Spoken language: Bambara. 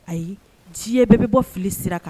Ayi diyɛ bɛɛ be bɔ fili sira kan